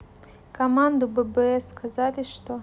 команду bbc сказали что